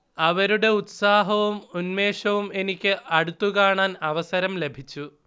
അവരുടെ ഉത്സാഹവും ഉന്മേഷവും എനിക്ക് അടുത്ത് കാണാൻ അവസരം ലഭിച്ചു